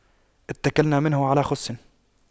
اتَّكَلْنا منه على خُصٍّ